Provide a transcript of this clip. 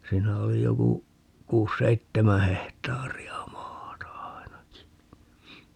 siinä oli joku kuusi seitsemän hehtaaria maata ainakin